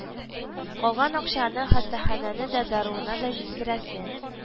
Калган акчаны хастаханәсенә дә даруына да җиткерәсе